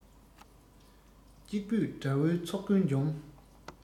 གཅིག པུས དགྲ བོའི ཚོགས ཀུན བཅོམ